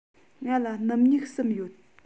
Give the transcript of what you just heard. ང ལ སྣུམ སྨྱུག གསུམ ཡོད